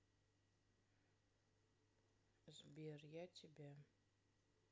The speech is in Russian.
сбер я тебя